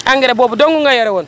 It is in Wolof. engrais boobu dong nga yorewoon